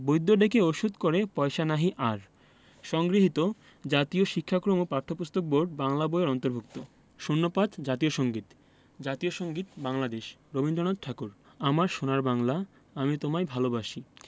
বৈদ্য ডেকে ওষুধ করে পয়সা নাহি আর সংগৃহীত জাতীয় শিক্ষাক্রম ও পাঠ্যপুস্তক বোর্ড বাংলা বই এর অন্তর্ভুক্ত ০৫ জাতীয় সংগীত জাতীয় সংগীত বাংলাদেশ রবীন্দ্রনাথ ঠাকুর আমার সোনার বাংলা আমি তোমায় ভালোবাসি